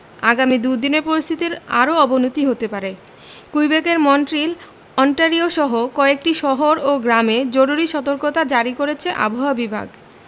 আগামী দু'দিনে পরিস্থিতির আরও অবনতি হতে পারে কুইবেকের মন্ট্রিল ওন্টারিওসহ কয়েকটি শহর ও গ্রামে জরুরি সতর্কতা জারি করেছে আবহাওয়া বিভাগ